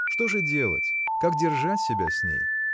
Что же делать: как держать себя с ней?